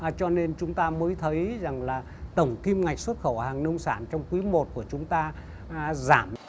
cho nên chúng ta mới thấy rằng là tổng kim ngạch xuất khẩu hàng nông sản trong quý một của chúng ta giảm